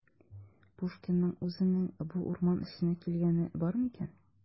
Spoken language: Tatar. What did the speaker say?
Пушкинның үзенең бу урман эченә килгәне бармы икән?